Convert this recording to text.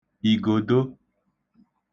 ìgòdo